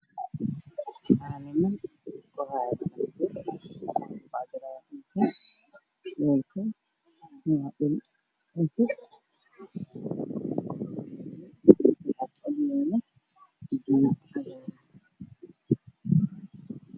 Waa niman wataan shatiyo cagaaran koofiyado o dhulka ay cabirayaan bulkeed ayaa ayaa la geeyay ka baxay cagaaran